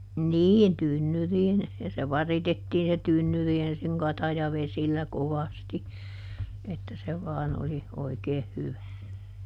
niin tynnyriin ja se varitettiin se tynnyri ensin katajavesillä kovasti että se vain oli oikein hyvä